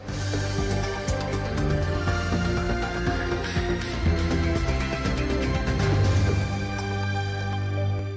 <MUSIQUE<